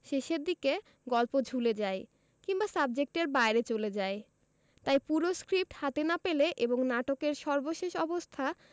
শেষের দিকে গল্প ঝুলে যায় কিংবা সাবজেক্টের বাইরে চলে যায় তাই পুরো স্ক্রিপ্ট হাতে না পেলে এবং নাটকের সর্বশেষ অবস্থা